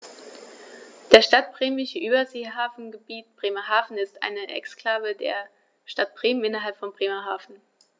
Das Stadtbremische Überseehafengebiet Bremerhaven ist eine Exklave der Stadt Bremen innerhalb von Bremerhaven.